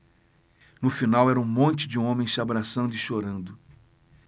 no final era um monte de homens se abraçando e chorando